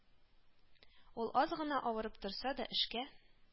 Ул аз гына авырып торса да эшкә